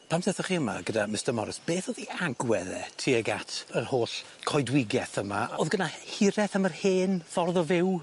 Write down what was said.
Pan ddethoch chi yma gyda Mistyr Morris beth o'dd 'i agwedd e tuag at yr holl coedwigeth yma, o'dd gynna hireth am yr hen ffordd o fyw?